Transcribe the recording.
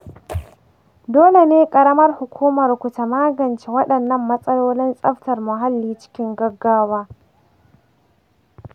dole ne ƙaramar hukumar ku ta magance waɗannan matsalolin tsaftar muhalli cikin gaggawa.